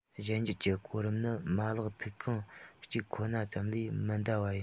གཞན འགྱུར གྱི གོ རིམ ནི མ ལག ཐིག རྐང གཅིག ཁོ ན ཙམ ལས མི འདའ བ ཡིན